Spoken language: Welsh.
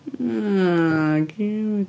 O ciwt.